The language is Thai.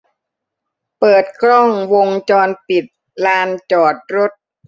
เปิดกล้องวงจรปิดลานจอดรถ